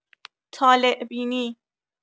طالع‌بینی